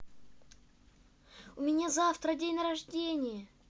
у меня завтра день рождения